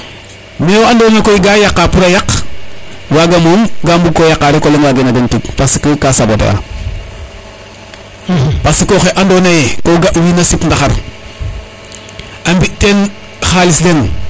mais we ando naye koy ka yaqa pour a yaq waga moom ga mbuko yaqa rek o leŋwage na den tig parce que ka sabote a parce que oxe ando naye ko ga wiin we sip ndaxar a mbi ten xalis den